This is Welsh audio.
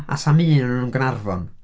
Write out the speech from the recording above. A 'sa'm un ohonyn nhw yn Gaernarfon.